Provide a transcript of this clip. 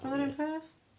Maen nhw'r un peth.